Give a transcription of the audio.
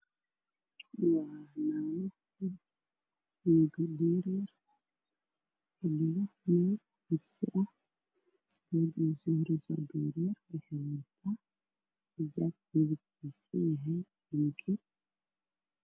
Meel aan ka gortagno jermiska Intuusan jirkayna fiyobanahy Waxana la gado waa qiimo aad u yar